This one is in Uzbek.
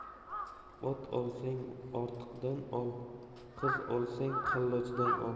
ot olsang oriqdan ol qiz olsang qallochdan ol